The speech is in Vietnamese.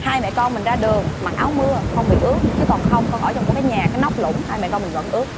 hai mẹ con mình ra đường mặc áo mưa hông bị ướt chứ còn không con ở trong cái nhà cái nóc lủng hai mẹ con mình vẫn ướt